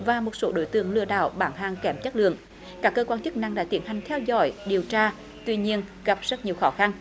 và một số đối tượng lừa đảo bảng hàng kém chất lượng các cơ quan chức năng đã tiến hành theo dõi điều tra tuy nhiên gặp rất nhiều khó khăn